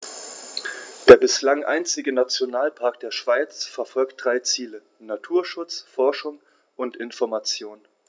Der bislang einzige Nationalpark der Schweiz verfolgt drei Ziele: Naturschutz, Forschung und Information.